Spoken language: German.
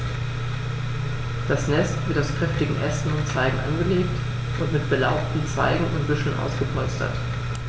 Das Nest wird aus kräftigen Ästen und Zweigen angelegt und mit belaubten Zweigen und Büscheln ausgepolstert.